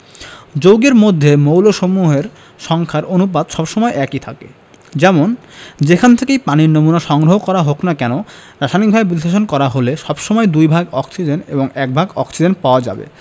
যৌগের মধ্যে মৌলসমূহের সংখ্যার অনুপাত সব সময় একই থাকে যেমন যেখান থেকেই পানির নমুনা সংগ্রহ করা হোক না কেন রাসায়নিকভাবে বিশ্লেষণ করা হলে সব সময় দুই ভাগ হাইড্রোজেন এবং এক ভাগ অক্সিজেন পাওয়া যাবে